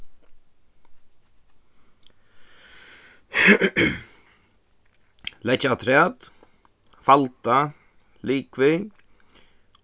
leggja afturat falda ligvið